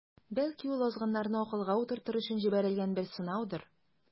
Бәлки, ул азгыннарны акылга утыртыр өчен җибәрелгән бер сынаудыр.